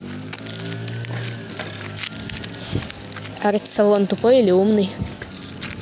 art салон тупой или умный